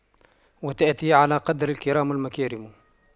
وتأتي على قدر الكرام المكارم